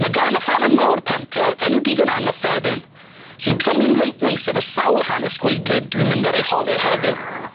Ma' gan y rhan yma o'r pentre enw digon angyffredin sy'n clymu'n reit neis efo sawl hanes gwaedlyd dwi'n mynd ar 'u hole heddiw.